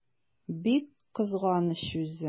Бик кызганыч үзе!